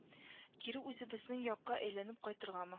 Кире үзебезнең якка әйләнеп кайтыргамы